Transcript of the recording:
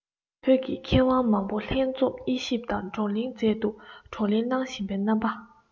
བོད ཀྱི མཁས དབང མང པོ ལྷན འཛོམས དབྱེ ཞིབ དང བགྲོ གླེང མཛད འདུག བགྲོ གླེང གནང བཞིན པའི རྣམ པ